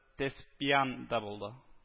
Теспиан да булды